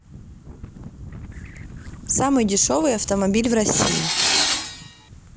самый дешевый автомобиль в россии